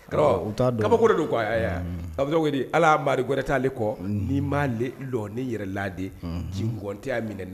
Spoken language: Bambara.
Kɔrɔ u t'a dɔn kabako de don quoi a y'aa kodi ala a mari gwɛrɛt'ale kɔɔ n'i ma le lo ni yɛrɛ la de unh jinkɔn tɛ a minɛ